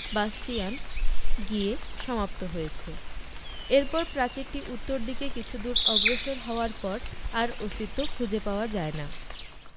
bastion গিয়ে সমাপ্ত হয়েছে এরপর প্রাচীরটি উত্তর দিকে কিছু দূর অগ্রসর হওয়ার পর আর অস্তিত্ব খুঁজে পাওয়া যায় না